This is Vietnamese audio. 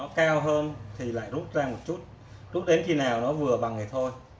khi ta ấn béc sâu vào mà nó lại cao hơn thì ta lại rút ra một chút rút đến khi nào nó vừa bằng thi mới thôi